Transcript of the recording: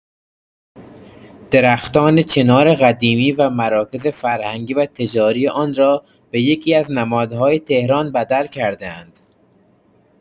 درختان چنار قدیمی و مراکز فرهنگی و تجاری آن را به یکی‌از نمادهای تهران بدل کرده‌اند.